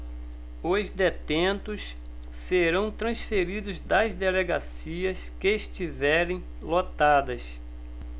os detentos serão transferidos das delegacias que estiverem lotadas